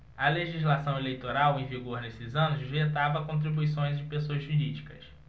a legislação eleitoral em vigor nesses anos vetava contribuições de pessoas jurídicas